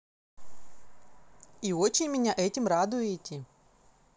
и очень меня этим радуете